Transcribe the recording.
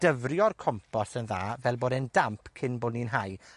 dyfrio'r compost yn dda fel bod e'n damp cyn bo' ni'n hau.